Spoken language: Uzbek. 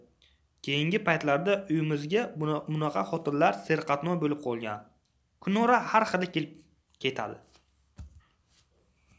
keyingi paytda uyimizga bunaqa xotinlar serqatnov bo'lib qolgan kun ora har xili kelib ketadi